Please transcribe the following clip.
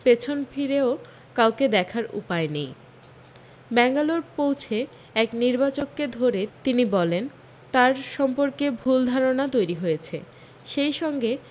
পিছন ফিরেও কাউকে দেখার উপায় নেই ব্যাঙ্গালোর পৌঁছে এক নির্বাচককে ধরে তিনি বলেন তার সম্পর্কে ভুল ধারণা তৈরী হয়েছে সেই সঙ্গে